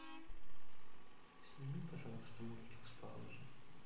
сними пожалуйста мультик с паузы